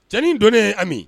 Cɛnin donnen ye ami